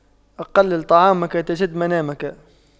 أقلل طعامك تجد منامك